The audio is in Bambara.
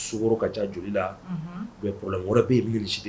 So ka ca joli la uɔ wɛrɛ bɛ gilisi ye